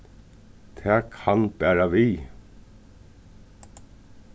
tak hann bara við